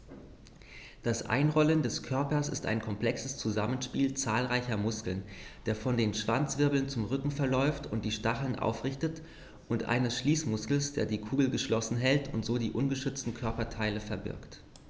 Das Einrollen des Körpers ist ein komplexes Zusammenspiel zahlreicher Muskeln, der von den Schwanzwirbeln zum Rücken verläuft und die Stacheln aufrichtet, und eines Schließmuskels, der die Kugel geschlossen hält und so die ungeschützten Körperteile verbirgt.